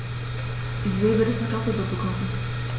Ich will bitte Kartoffelsuppe kochen.